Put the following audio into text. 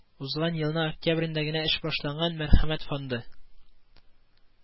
Узган елның октябрендә генә эш башлаган Мәрхәмәт фонды